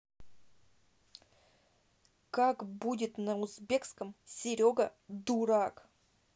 как будет на узбекском серега дурак